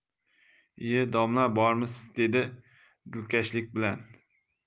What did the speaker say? iye domla bormisiz dedi dilkashlik bilan